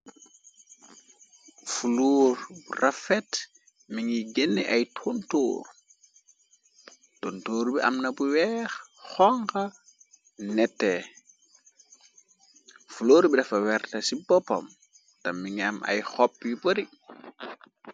Fuloorbu rafet mi ngiy genne ay tontoor tontoor bi amna bu weex xonga netee fulor bi dafa werta ci boppam tam mi ngi am ay xop yu bari.